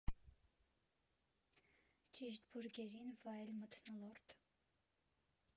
Ճիշտ բուրգերին վայել մթնոլորտ։